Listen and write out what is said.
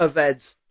yfed